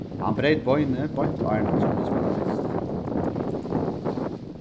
hann breyt beinið beint áðrenn hann skuldi spæla dyst